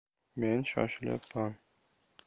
men shoshilayapman